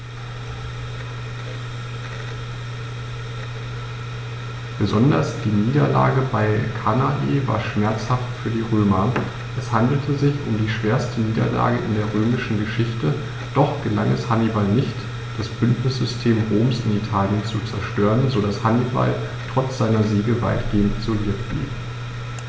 Besonders die Niederlage bei Cannae war schmerzhaft für die Römer: Es handelte sich um die schwerste Niederlage in der römischen Geschichte, doch gelang es Hannibal nicht, das Bündnissystem Roms in Italien zu zerstören, sodass Hannibal trotz seiner Siege weitgehend isoliert blieb.